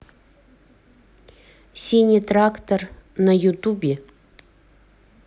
синий трактор на ютубе